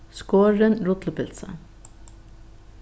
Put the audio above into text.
skorin rullupylsa